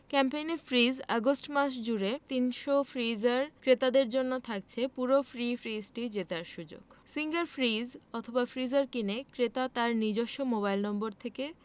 ক্যাম্পেইনে fridge August মাস জুড়ে ৩০০ ফ্রিজার ক্রেতাদের জন্য থাকছে পুরো ফ্রি ফ্রিজ টি জেতার সুযোগ সিঙ্গার ফ্রিজ অথবা ফ্রিজার কিনে ক্রেতা তার নিজস্ব মোবাইল নম্বর থেকে